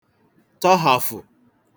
tọhàfụ̀